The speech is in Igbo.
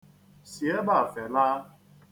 Si ebe a felaa.